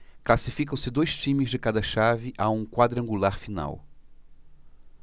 classificam-se dois times de cada chave a um quadrangular final